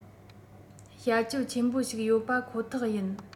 བྱ སྤྱོད ཆེན པོ ཞིག ཡོད པ ཁོ ཐག ཡིན